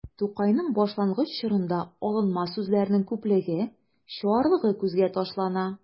Тукайның башлангыч чорында алынма сүзләрнең күплеге, чуарлыгы күзгә ташлана.